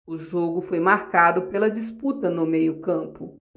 o jogo foi marcado pela disputa no meio campo